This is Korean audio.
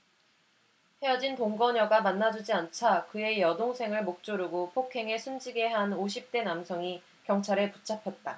헤어진 동거녀가 만나주지 않자 그의 여동생을 목 조르고 폭행해 숨지게 한 오십 대 남성이 경찰에 붙잡혔다